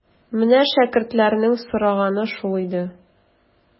Менә шәкертләрнең сораганы шул иде.